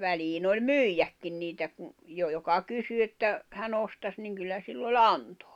väliin oli myydäkin niitä kun jo joka kysyi että hän ostaisi niin kyllä sillä oli antaa